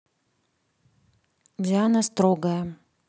диана строгая